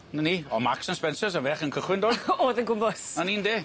'Na ni. O' Marks and Spencer's yn fech yn cychwyn do? O'dd yn gwmbws. 'Na ni 'nde?